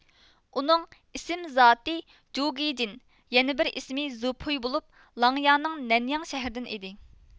ئۇنىڭ ئىسىم زاتى جۇگېجىن يەنە بىر ئىسمى زىپۇي بولۇپ لاڭيانىڭ نەنياڭ شەھىرىدىن ئىدى